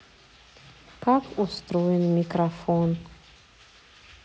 как устроен микрофон